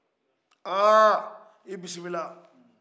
aaa i bisimila